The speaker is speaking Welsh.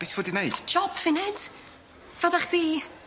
Be' ti fod i wneud? Job fi Ned! Fel 'dach chdi.